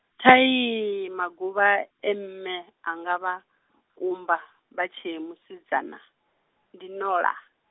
thai maguvha e mme, anga vha, kumba, vha tshe musidzana, ndi ṋola.